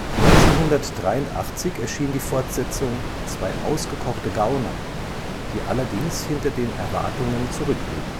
1983 erschien die Fortsetzung Zwei ausgekochte Gauner, die allerdings hinter den Erwartungen zurückblieb